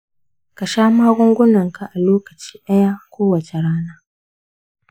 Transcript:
ka sha magungunanka a lokaci ɗaya kowace rana.